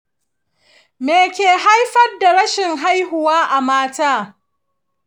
me ke haifar da rashin haihuwa a mata?